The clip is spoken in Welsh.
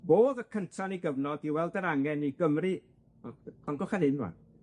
Fo o'dd y cynta yn ei gyfnod i weld yr angen i Gymru yy grandwchar 'hyn rŵan.